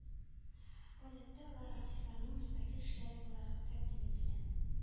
Гадәттә алар артистларның мөстәкыйль эшләре буларак тәкъдим ителә.